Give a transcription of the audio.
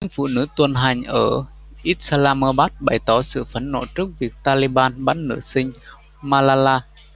những phụ nữ tuần hành ở islamabad bày tỏ sự phẫn nộ trước việc taliban bắn nữ sinh malala